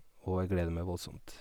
Og jeg gleder meg voldsomt.